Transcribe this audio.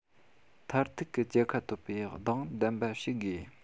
མཐར ཐུག གི རྒྱལ ཁ ཐོབ པའི གདེང ལྡན པ ཞིག དགོས